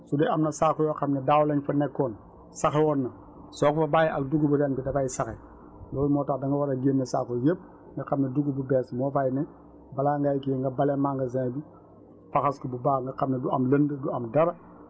su dee am na saako yoo xam ne daaw lañ fa nekkoon saxe woon na soo ko fa bàjjee ak dugubu ren bi dafay saxe loolu moo tax da nga war a génne saako yépp nga xam ne dugub bu bees moo fay ne balaa ngay kii nga bale magasin bi faxas ko bu baax nga xam ne du am lënd du am dara